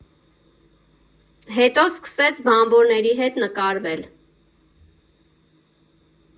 Հետո սկսեց բանվորների հետ նկարվել։